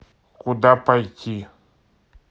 куда пойти